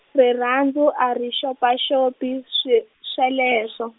rirhandzu a ri xopaxopi swi- sweleswo.